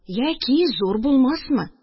Йә, ки, зур булмасмы